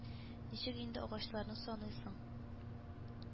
Ничек инде агачларны саныйсың